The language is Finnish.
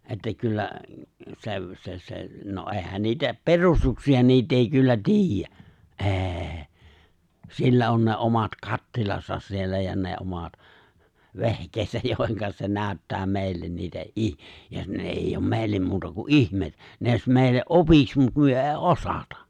että kyllä - se se no eihän niitä perustuksia niitä ei kyllä tiedä ei sillä on ne omat kattilansa siellä ja ne omat vehkeensä joihin se näyttää meille niitä - ja ne ei ole meille muuta kuin ihmeitä ne olisi meille opiksi mutta me ei osata